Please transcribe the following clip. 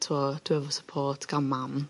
t'wo dwi efo support gan mam.